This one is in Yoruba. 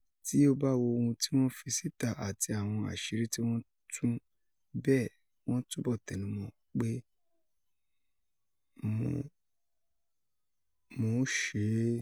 “Tí o bá wo ohun tí wọ́n fi sítà àti àwọn àṣírí tí wọ́n tú, bẹ́ẹ̀ wọ́n túbọ̀ tẹnu mọ pẹ́ “Mò ‘ò ṣé ééé.